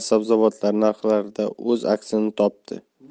sabzavotlar narxlarida o'z aksini topdi